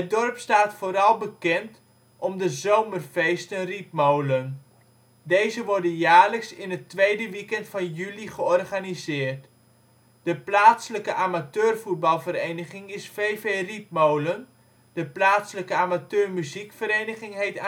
dorp staat vooral bekend om de Zomerfeesten Rietmolen. Deze worden jaarlijks, in het tweede weekend van juli georganiseerd. De plaatselijke amateurvoetbalvereniging is VV Rietmolen, de plaatselijke amateurmuziekvereniging heet